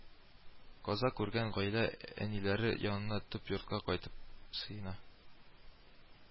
Каза күргән гаилә әниләре янына төп йортка кайтып сыена